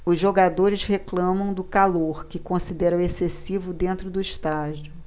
os jogadores reclamam do calor que consideram excessivo dentro do estádio